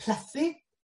plethu